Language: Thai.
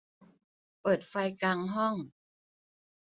เปิดไฟกลางห้อง